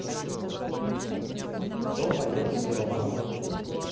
кто поет серова